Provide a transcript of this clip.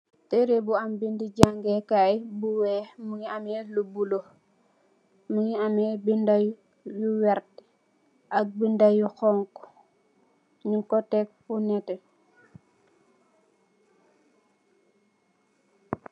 Teré bu am bindé jangèè kai bu wèèx mugii ameh lu bula, mugii ameh bindé yu werta ak bindé yu xonxu ñing ko tek fu netteh.